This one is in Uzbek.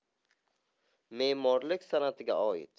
memorlik sanatiga oid